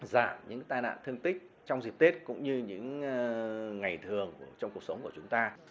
giảm những tai nạn thương tích trong dịp tết cũng như những ơ ngày thường trong cuộc sống của chúng ta